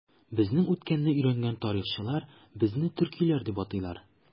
Безнең үткәнне өйрәнгән тарихчылар безне төркиләр дип атыйлар.